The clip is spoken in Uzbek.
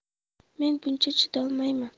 men bunga chidolmayman